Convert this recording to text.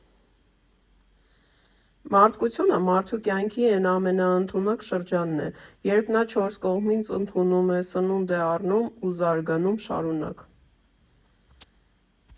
«Մանկությունը մարդու կյանքի էն ամենաընդունակ շրջանն է, երբ նա չորս կողմից ընդունում է, սնունդ է առնում ու զարգանում շարունակ…